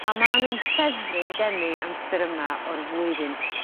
A ma' nw'n ffefryn gen i amser yma o'r flwyddyn.